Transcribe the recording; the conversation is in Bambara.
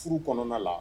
Furu kɔnɔna la